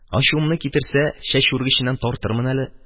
Ачуымны китерсә, чәч үргеченнән тартырмын әле.